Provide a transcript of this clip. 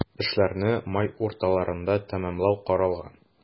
Эшләрне май урталарына тәмамлау каралган.